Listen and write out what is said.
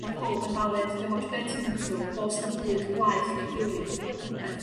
ma' powb yn valid diom ots be ti'n mynd trw' do's na'm byd gwaeth na'i gilydd ma' popeth